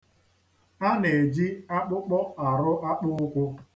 A na-eji akpụkpọ arụ akpụụkwụ.